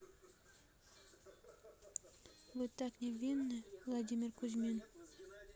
вы так невинны владимир кузьмин